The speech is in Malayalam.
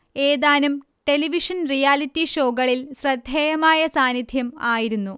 ഏതാനും ടെലിവിഷൻ റിയാലിറ്റി ഷോകളിൽ ശ്രദ്ധേയമായ സാന്നിദ്ധ്യം ആയിരുന്നു